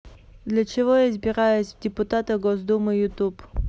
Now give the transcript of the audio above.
для чего я избираюсь в депутаты госдумы youtube